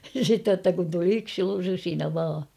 sitten jotta kun tuli yksi rusina vain